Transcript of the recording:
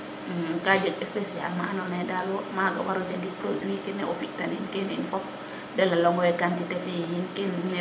ka jeg speciale ma ando naye daal wo maga waro njaŋit produit ke ne o fitan niin kene yin fop de lalaŋo quatité fe yin kene yin